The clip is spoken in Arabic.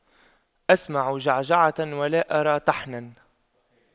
أسمع جعجعة ولا أرى طحنا